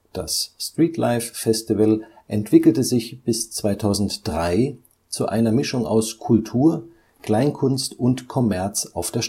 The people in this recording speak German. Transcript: Das Streetlife Festival entwickelte sich bis 2003 zu einer Mischung aus Kultur, Kleinkunst und Kommerz auf der